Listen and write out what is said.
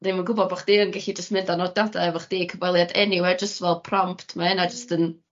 ddim yn gwbod bo' chdi yn gellu jyst mynd â nodiada efo chdi i cyfweliad eniwe jyst fel rompt ma' hynna jyst yn